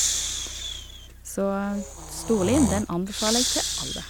Så Storlien, den anbefaler jeg til alle.